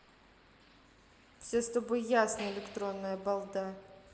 все с тобой ясно электронная балда